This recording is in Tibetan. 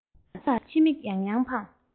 གླིང གར ཕྱིར མིག ཡང ཡང འཕངས